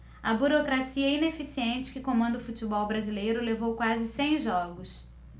a burocracia ineficiente que comanda o futebol brasileiro levou quase cem jogos